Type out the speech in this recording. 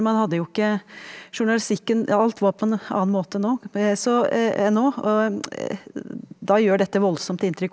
man hadde jo ikke journalistikken og alt var på en annen måte nå så enn nå og da gjør dette voldsomt inntrykk.